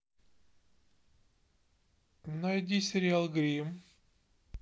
найди сериал гримм